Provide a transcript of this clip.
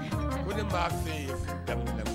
Ko ne maa fɛ ye